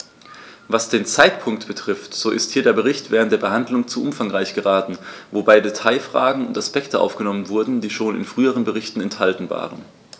Was den Zeitpunkt betrifft, so ist hier der Bericht während der Behandlung zu umfangreich geraten, wobei Detailfragen und Aspekte aufgenommen wurden, die schon in früheren Berichten enthalten waren.